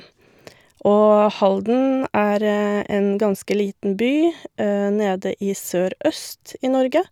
Og Halden er en ganske liten by nede i sørøst i Norge.